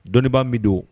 Dɔnniibaa bɛ don